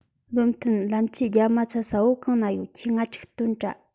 བློ མཐུན ལམ ཆས རྒྱ མ ཚད ས བོ གང ན ཡོད ཁྱོས ང ཅིག སྟོན དྲ